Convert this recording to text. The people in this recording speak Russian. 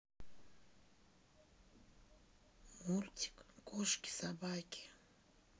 мультик кошки собаки